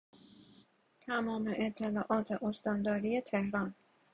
تمام اطلاعات استانداری تهران